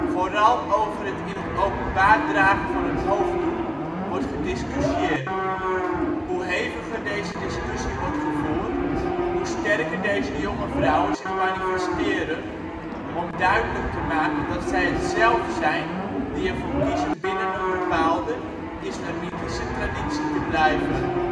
Vooral over het in het openbaar dragen van een hoofddoek wordt gediscussieerd. Hoe heviger deze discussie wordt gevoerd, hoe sterker deze jonge vrouwen zich manifesteren om duidelijk te maken dat zij het zelf zijn die er voor kiezen binnen een bepaalde (islamitische) traditie te blijven